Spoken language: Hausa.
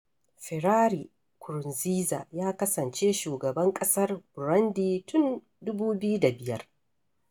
Pierre Nkurunziza ya kasance shugaban ƙasar Burundi tun 2005.